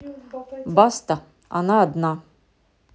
баста она одна